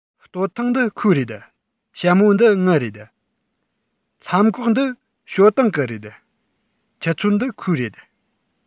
སྟོད ཐུང འདི ཁོའི རེད ཞྭ མོ འདི ངའི རེད ལྷམ གོག འདི ཞའོ ཏིང གི རེད ཆུ ཚོད འདི ཁོའི རེད